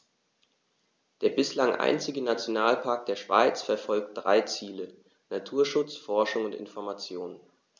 Der bislang einzige Nationalpark der Schweiz verfolgt drei Ziele: Naturschutz, Forschung und Information.